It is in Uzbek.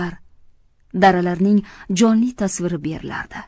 daralarning jonli tasviri beriladi